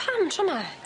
Pam tro 'ma?